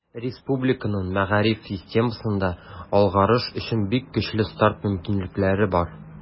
Республиканың мәгариф системасында алгарыш өчен бик көчле старт мөмкинлекләре бар.